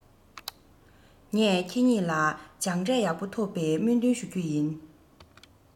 ངས ཁྱེད གཉིས ལ སྦྱངས འབྲས ཡག པོ ཐོབ པའི སྨོན འདུན ཞུ གི ཡིན